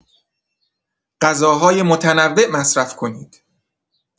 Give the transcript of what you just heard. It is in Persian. غذاهای متنوع مصرف کنید.